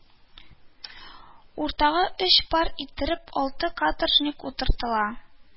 Уртага өч пар иттереп алты каторжник утыртыла